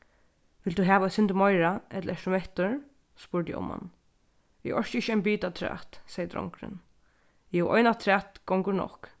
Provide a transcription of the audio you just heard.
vilt tú hava eitt sindur meira ella ert tú mettur spurdi omman eg orki ikki ein bita afturat segði drongurin jú ein afturat gongur nokk